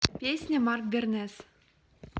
песня марк бернес